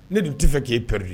Ne dun ti fɛ ke perdu